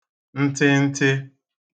ntịntị